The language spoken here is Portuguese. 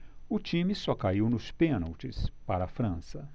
o time só caiu nos pênaltis para a frança